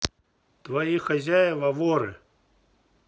твои хозяева воры